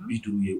Bitu ye